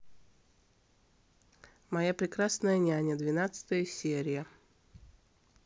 моя прекрасная няня двенадцатая серия